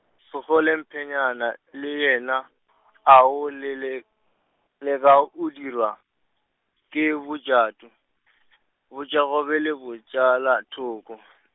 Sekgole Mphonyana le yena, ao le le, leka o dirwa, ke bojato , bojagobe le bojelathoko.